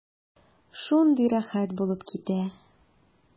Шундый рәхәт булып китә.